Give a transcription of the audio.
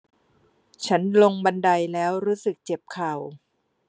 ฉันลงบันไดแล้วรู้สึกเจ็บเข่า